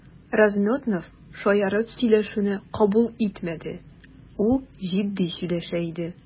Размётнов шаяртып сөйләшүне кабул итмәде, ул җитди сөйләшә иде.